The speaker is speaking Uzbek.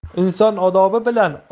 inson odobi bilan